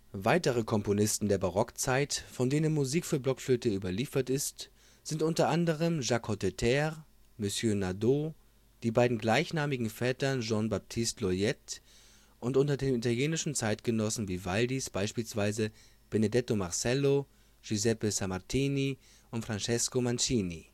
Weitere Komponisten der Barockzeit, von denen Musik für Blockflöte überliefert ist, sind unter anderem Jacques Hotteterre, Monsieur Naudot, die beiden gleichnamigen Vettern Jean-Baptiste Loeillet und unter den italienischen Zeitgenossen Vivaldis beispielsweise Benedetto Marcello, Giuseppe Sammartini und Francesco Mancini